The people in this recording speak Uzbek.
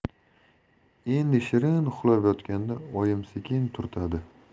endi shirin uxlab yotganda oyim sekin turtadi